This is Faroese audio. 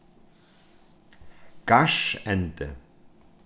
garðsendi